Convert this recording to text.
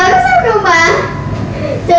trời ơi có sao không bà